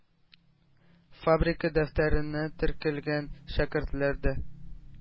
Фабрика дәфтәренә теркәлгән шәкертләр дә